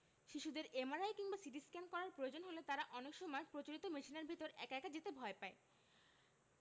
শিশুদের এমআরআই কিংবা সিটিস্ক্যান করার প্রয়োজন হলে তারা অনেক সময় প্রচলিত মেশিনের ভেতর একা একা যেতে ভয় পায়